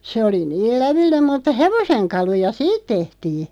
se oli niin lävellinen mutta hevosenkaluja siitä tehtiin